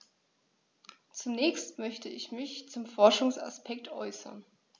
Zunächst möchte ich mich zum Forschungsaspekt äußern.